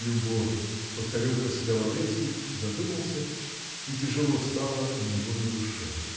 "Любовь", -- повторил про себя Лаврецкий, задумался -- и тяжело стало у него на душе.